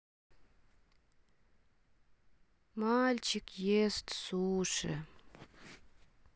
мальчик ест суши